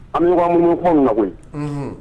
An bɛɲɔgɔnmum kɔn na